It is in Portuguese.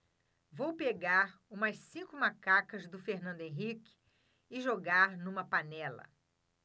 vou pegar umas cinco macacas do fernando henrique e jogar numa panela